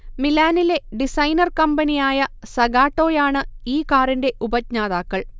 മിലാനിലെ designer കമ്പനിയായ സഗാട്ടോയാണ് ഈ കാറിന്റെ ഉപജ്ഞാതാക്കൾ